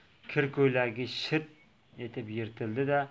kir ko'ylagi shir etib yirtildi da